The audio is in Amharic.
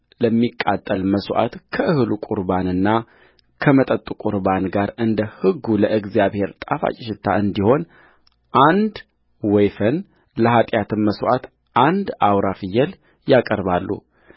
ለሚቃጠል መሥዋዕት ከእህሉ ቍርባንና ከመጠጡ ቍርባን ጋር እንደ ሕጉ ለእግዚአብሔር ጣፋጭ ሽታ እንዲሆን አንድ ወይፈን ለኃጢአትም መሥዋዕት አንድ አውራ ፍየል ያቀርባሉ